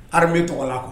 Harbe tɔgɔ la kuwa